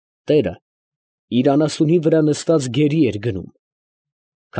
Տերը իր անասունի վրա նստած գերի էր գնում։